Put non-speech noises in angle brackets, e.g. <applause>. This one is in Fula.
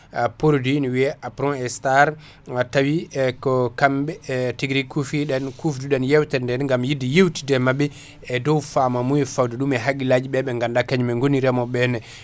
<hesitation> produit no wiiye aprostar <breath> tawi ko kamɓe <hesitation> tiguirigui kuufi ɗen kufduɗen yewterede nde henna gam yidde yewtidde mabɓe e dow famamuya fawde ɗum e hagguilaji ɓe ɓe ganduɗa kamɓe gooni reemoɓe ɓe henna <breath>